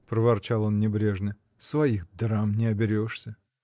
— проворчал он небрежно, — своих драм не оберешься.